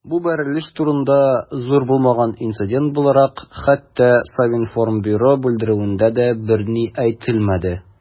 Бу бәрелеш турында, зур булмаган инцидент буларак, хәтта Совинформбюро белдерүендә дә берни әйтелмәде.